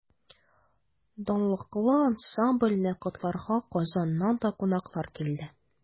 Данлыклы ансамбльне котларга Казаннан да кунаклар килде.